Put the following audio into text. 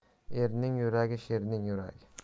erning yuragi sherning yuragi